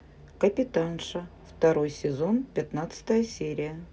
капитанша второй сезон пятнадцатая серия